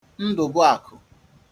Ndụ̀bụ̀akù